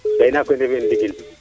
gay naak we ndefe yo no ndigil